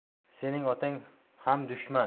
sening otang ham dushman